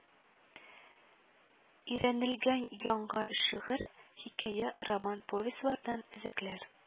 Өйрәнелгән, яңа шигырь, хикәя, роман-повестьлардан өзекләр